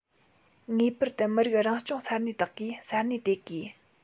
ངེས པར དུ མི རིགས རང སྐྱོང ས གནས དག གིས ས གནས དེ གའི